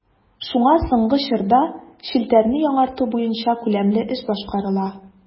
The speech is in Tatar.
Шуңа соңгы чорда челтәрне яңарту буенча күләмле эш башкарыла.